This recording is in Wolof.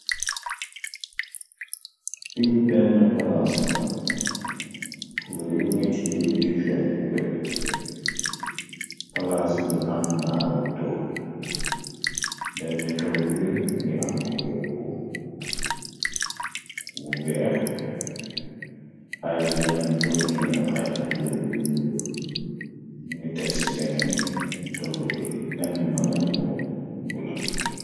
Bi benn palaas la fur yi nit yi di feex we palaas bi am ma ay toogu benn toggu bi ngi am kuloorwu u weex ay yeneen toogu ningaam ay kuluor yu ñuur mngi teg ci beneen toggu bi benn malaan bu bu la.